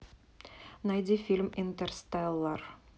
найди фильм интерстеллар